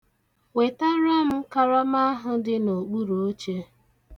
Wetara m karama ahụ dị n'okpuru oche.